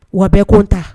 Wa bɛ ko ta